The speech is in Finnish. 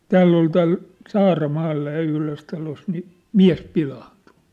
täällä oli täällä Saaramaalla ja yhdessä talossa niin mies pilaantui